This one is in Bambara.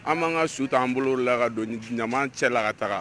An b'an ka su ta an bolo de la ka don ɲaman cɛ la ka taga